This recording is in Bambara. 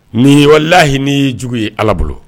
Ni walelahi n nijugu ye ala bolo